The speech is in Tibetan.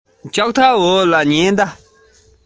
བྱིས པ དེའི ཞིམ ཉམས ཀྱི